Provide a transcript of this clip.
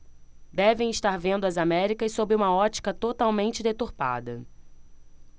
devem estar vendo as américas sob uma ótica totalmente deturpada